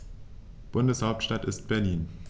Bundeshauptstadt ist Berlin.